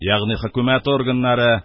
Ягьни хөкүмәт органнары